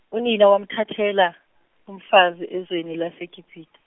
unina wamthathela, umfazi ezweni laseGibithe.